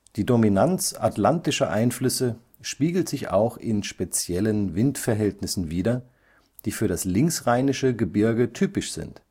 Die Dominanz atlantischer Einflüsse spiegelt sich auch in speziellen Windverhältnissen wider, die für das linksrheinische Gebirge typisch sind